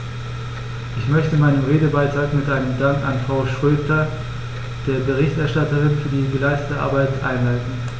Ich möchte meinen Redebeitrag mit einem Dank an Frau Schroedter, der Berichterstatterin, für die geleistete Arbeit einleiten.